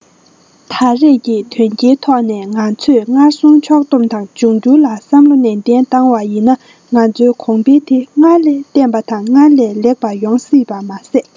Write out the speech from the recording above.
ད རེས ཀྱི དོན རྐྱེན ཐོག ནས ང ཚོས སྔར སོང ཕྱོགས སྟོམ དང འབྱུང འགྱུར ལ བསམ བློ ནན ཏན བཏང བ ཡིན ན ང ཚོའི གོང འཕེལ དེ སྔར ལས བརྟན པ དང སྔར ལས ལེགས པ ཡོང སྲིད པ མ ཟད